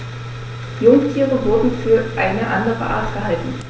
Jungtiere wurden für eine andere Art gehalten.